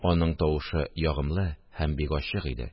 Аның тавышы ягымлы һәм бик ачык иде